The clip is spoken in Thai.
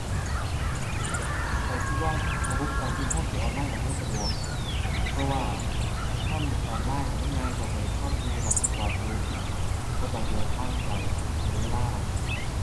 ข้อยคิดว่าระบบการยื่นภาษีออนไลน์น่ะ มันสะดวก เพราะว่าทำออนไลน์น่ะมันง่ายกว่าไปทำอยู่สรรพากรอยู่ บ่ต้องเดินทางไกล เสียเวลา